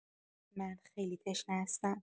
من خیلی تشنه هستم.